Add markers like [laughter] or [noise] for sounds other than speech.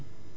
[hesitation] [hesitation]